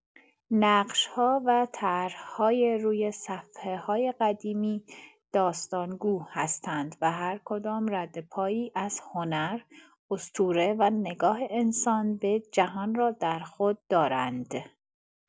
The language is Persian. نقش‌ها و طرح‌های روی صفحه‌های قدیمی، داستان‌گو هستند و هرکدام ردپایی از هنر، اسطوره و نگاه انسان به جهان را در خود دارند.